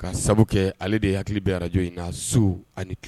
Ka sabu kɛ ale de hakili bɛ araj in na so ani